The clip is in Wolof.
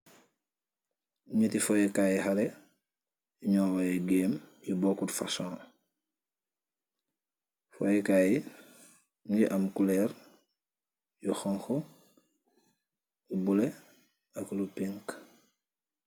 Ñatti foowe KAAY i xalé, yu ñuy oyee gëëm yu boocut fasoñg. Fowee kaay yi, ñu ngi culëër yu xoñgu, bulë ak lu piñkë.